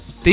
c' est ca